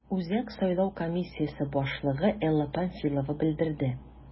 Үзәк сайлау комиссиясе башлыгы Элла Памфилова белдерде: